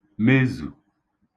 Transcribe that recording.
mezù